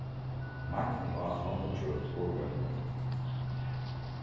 magni át longu kjøt og grønmeti